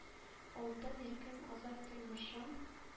Алтын иркем, азат тормышым,